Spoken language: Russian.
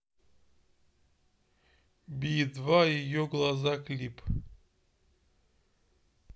би два ее глаза клип